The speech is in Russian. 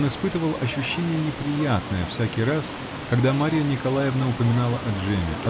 Он испытывал ощущение неприятное всякий раз, когда Марья Николаевна упоминала о Джемме.